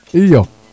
iyo